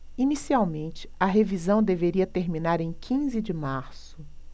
inicialmente a revisão deveria terminar em quinze de março